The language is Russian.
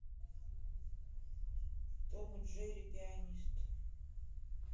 том и джерри пианист